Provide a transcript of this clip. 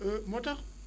moo tax